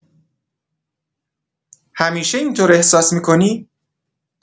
همیشه اینطور احساس می‌کنی؟